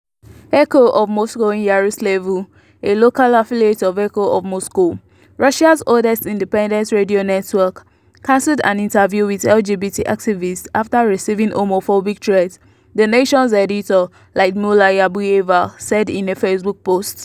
Echo of Moscow in Yaroslavl, a local affiliate of Echo of Moscow, Russia’s oldest independent radio network, cancelled an interview with LGBT activists after receiving homophobic threats, the station’s editor Lyudmila Shabuyeva said in a Facebook post: